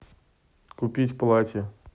купить платье